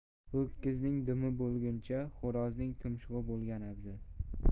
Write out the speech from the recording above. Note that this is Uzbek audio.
ho'kizning dumi bo'lguncha xo'rozning tumshug'i bo'lgan afzal